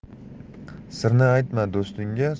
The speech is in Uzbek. sirni aytma do'stingga